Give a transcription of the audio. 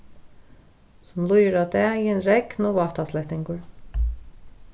sum líður á dagin regn og vátaslettingur